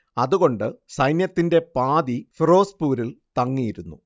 അതുകൊണ്ട് സൈന്യത്തിന്റെ പാതി ഫിറോസ്പൂരിൽ തങ്ങിയിരുന്നു